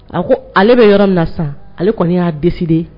A ko ale bɛ yɔrɔ min minna na sa ale kɔni y'a dɛsɛse de ye